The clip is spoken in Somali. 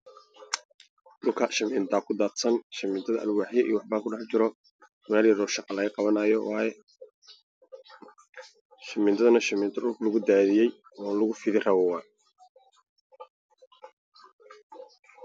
Waa meel banaan oo cid ah biyo ayaa la fadhiya waan dhiqo birooyin yaryar oo shub ayaa kujiro